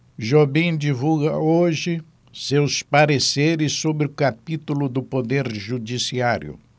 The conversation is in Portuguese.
jobim divulga hoje seus pareceres sobre o capítulo do poder judiciário